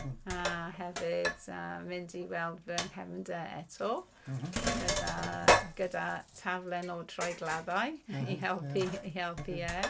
A hefyd yy mynd i weld fy nghefnder eto gyda gyda taflen o treigladau i helpu i helpu e.